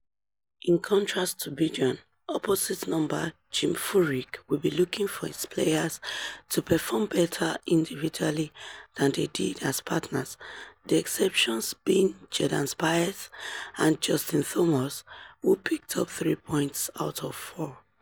In contrast to Bjorn, opposite number Jim Furyk will be looking for his players to perform better individually than they did as partners, the exceptions being Jordan Spieth and Justin Thomas, who picked up three points out of four.